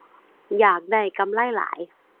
อยากได้กำไรหลาย